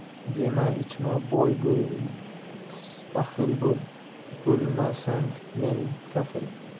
yema ichma bo'l baxil boy bo'lmasang men kafil